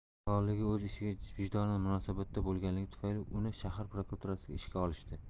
halolligi o'z ishiga vijdonan munosabatda bo'lganligi tufayli uni shahar prokuraturasiga ishga olishdi